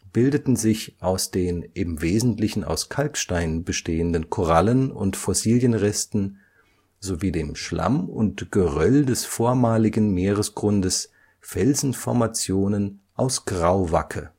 bildeten sich aus den im Wesentlichen aus Kalkstein bestehenden Korallen - und Fossilienresten sowie dem Schlamm und Geröll des vormaligen Meeresgrundes Felsenformationen aus Grauwacke